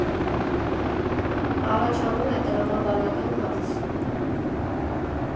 Առաջանում է տրամաբանական հարց.